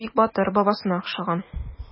Ул бик батыр, бабасына охшаган.